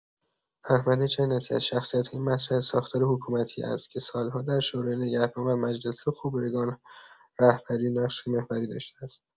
احمد جنتی از شخصیت‌های مطرح ساختار حکومتی است که سال‌ها در شورای نگهبان و مجلس خبرگان رهبری نقش محوری داشته است.